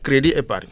crédit épargne